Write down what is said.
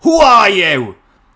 Who are you?